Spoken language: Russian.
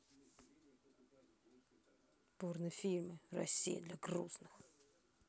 порнофильмы россия для грустных